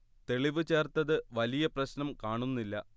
തെളിവ് ചേർത്തത് വലിയ പ്രശ്നം കാണുന്നില്ല